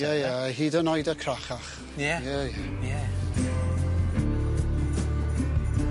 Ie ie hyd yn oed y crachach. Ie? Ie ie. Ie.